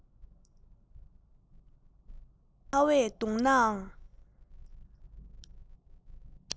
དབྱར གྱི ཚ བས གདུང ནའང